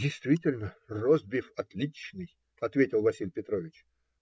- Действительно, ростбиф отличный, - ответил Василий Петрович.